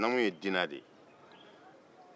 namu ye diinɛ de ye